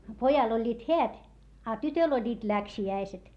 pojalla olivat häät a tytöllä olivat läksiäiset